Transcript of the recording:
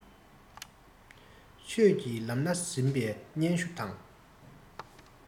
ཆོས ཀྱི ལམ སྣ ཟིན པའི སྙན ཞུ དང